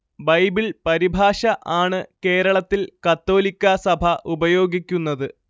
Bible പരിഭാഷ ആണ് കേരളത്തിൽ കത്തോലിക്കാ സഭ ഉപയോഗിക്കുന്നത്